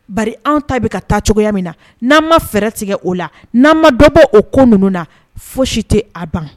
Bari an ta bi ka taa cogoya min na. Nan ma fɛɛrɛ tigɛ o la . Nan ma dɔ bɔ o ko nunun na . Fosi te a ban.